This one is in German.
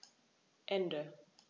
Ende.